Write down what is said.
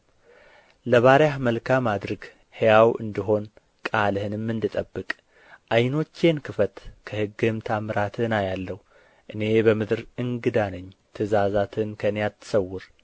ለባሪያህ መልካም አድርግ ሕያው እንድሆን ቃልህንም እንድጠብቅ ዓይኖቼን ክፈት ከሕግህም ተኣምራትህን አያለሁ እኔ በምድር እንግዳ ነኝ ትእዛዛትህን ከእኔ አትሰውር